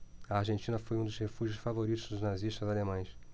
a argentina foi um dos refúgios favoritos dos nazistas alemães